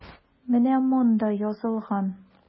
Менә монда язылган.